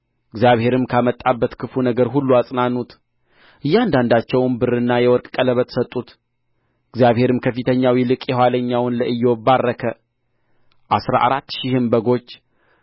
እግዚአብሔርም ካመጣበት ክፉ ነገር ሁሉ አጽናኑት እያንዳንዳቸውም ብርና የወርቅ ቀለበት ሰጡት እግዚአብሔርም ከፊተኛው ይልቅ የኋለኛውን ለኢዮብ ባረከ አሥራ አራት ሺህም በጎች